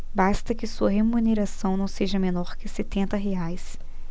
basta que sua remuneração não seja menor que setenta reais